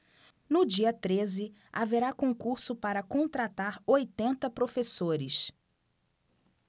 no dia treze haverá concurso para contratar oitenta professores